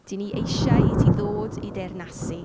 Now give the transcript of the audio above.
Dan ni eisiau i ti ddod i deyrnasu.